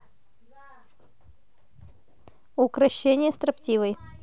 укрощение строптивой